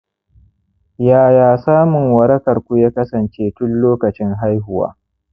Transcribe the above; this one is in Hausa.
yaya samun warakar ku ya kasance tun lokacin haihuwa